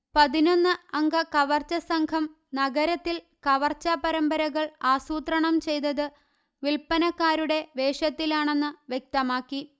പതിനൊന്ന് അംഗ കവർച്ച സംഘം നഗരത്തിൽ കവർച്ചാപരമ്പരകൾ ആസൂത്രണം ചെയ്തത് വില്പനക്കാരുടെ വേഷത്തിലാണെന്ന്വ്യക്തമാക്കി